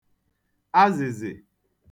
azị̀zị̀